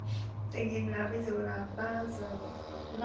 tình hình là bây giờ là h